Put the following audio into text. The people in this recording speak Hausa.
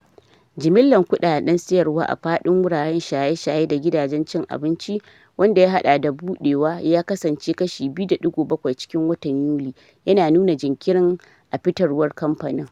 Jimillar kudaden sayarwa a fadin wuraren shaye-shaye da gidajen cin abinci, wanda ya hada da budewa, ya kasance kashi 2.7 cikin watan Yuli, yana nuna jinkirin a fitarwar kamfanin.